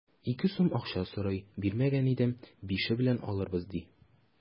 Ике сум акча сорый, бирмәгән идем, бише белән алырбыз, ди.